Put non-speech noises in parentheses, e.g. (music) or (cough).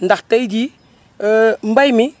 ndax tey jii (hesitation) mbéy mi